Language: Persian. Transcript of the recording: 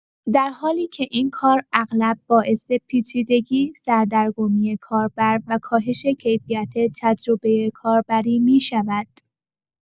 در حالی که این کار اغلب باعث پیچیدگی، سردرگمی کاربر و کاهش کیفیت تجربه کاربری می‌شود.